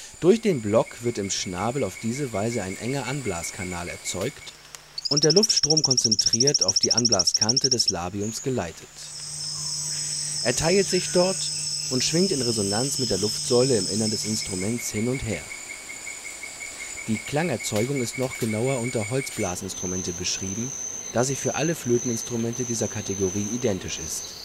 Durch den Block wird im Schnabel auf diese Weise ein enger Anblaskanal erzeugt und der Luftstrom konzentriert auf die Anblaskante des Labiums geleitet. Er teilt sich dort und schwingt in Resonanz mit der Luftsäule im Inneren des Instruments hin und her. Die Klangerzeugung ist noch genauer unter Holzblasinstrumente beschrieben, da sie für alle Flöten-Instrumente dieser Kategorie identisch ist